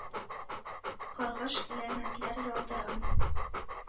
Каргыш-ләгънәтләр яудырам.